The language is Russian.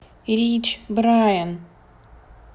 rich brian